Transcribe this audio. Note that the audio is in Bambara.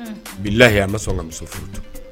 Bi layi an bɛ sɔrɔ muso furu